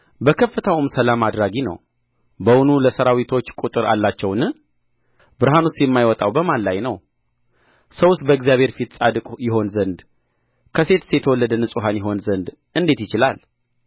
በከፍታውም ሰላም አድራጊ ነው በውኑ ለሠራዊቶቹ ቍጥር አላቸውን ብርሃኑስ የማይወጣው በማን ላይ ነው ሰውስ በእግዚአብሔር ፊት ጻድቅ ይሆን ዘንድ ከሴትስ የተወለደ ንጹሕ ይሆን ዘንድ እንዴት ይችላል